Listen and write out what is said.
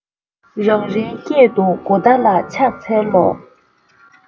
རང རེའི སྐད དུ གོ བརྡ ལ ཕྱག འཚལ ལོ